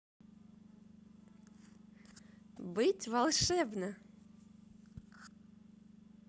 быть волшебно